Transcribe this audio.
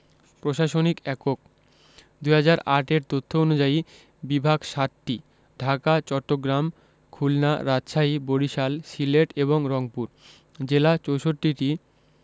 প্রশাসনিক এককঃ ২০০৮ এর তথ্য অনুযায়ী বিভাগ ৭টি ঢাকা চট্টগ্রাম খুলনা রাজশাহী বরিশাল সিলেট এবং রংপুর জেলা ৬৪টি